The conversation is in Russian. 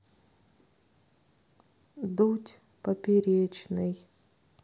дудь поперечный